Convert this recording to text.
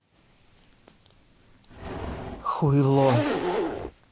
хуйло